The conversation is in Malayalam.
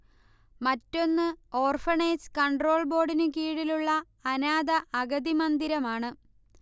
മറ്റൊന്ന് ഓർഫണേജ് കൺട്രോൾ ബോർഡിനു കീഴിലുള്ള അനാഥ അഗതി മന്ദിരമാണ്